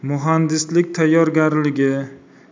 muhandislik tayyorgarligi